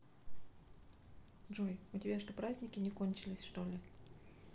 джой у тебя что праздники не кончились что ли